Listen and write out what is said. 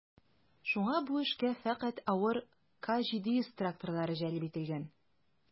Шуңа бу эшкә фәкать авыр К-700 тракторлары җәлеп ителгән.